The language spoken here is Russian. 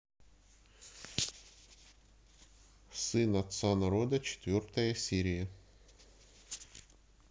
сын отца народа четвертая серия